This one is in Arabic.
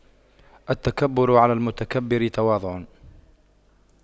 التكبر على المتكبر تواضع